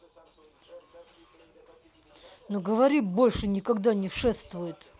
ну говори больше никогда не шествует